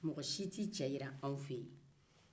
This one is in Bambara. mɔgɔ si t'i cɛ jira anw fɛ yen